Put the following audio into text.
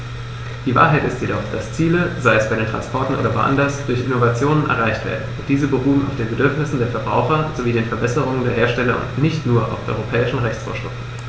Die Wahrheit ist jedoch, dass Ziele, sei es bei Transportern oder woanders, durch Innovationen erreicht werden, und diese beruhen auf den Bedürfnissen der Verbraucher sowie den Verbesserungen der Hersteller und nicht nur auf europäischen Rechtsvorschriften.